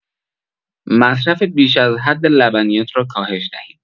مصرف بیش از حد لبنیات را کاهش دهید.